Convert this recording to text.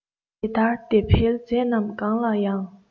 དེ ལྟར བདེ འཕེལ རྫས རྣམས གང ལ ཡང